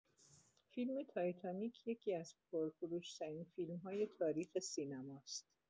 فیلم «تایتانیک» یکی‌از پرفروش‌ترین فیلم‌های تاریخ سینماست.